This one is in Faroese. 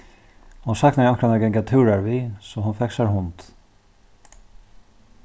hon saknaði onkran at ganga túrar við so hon fekk sær hund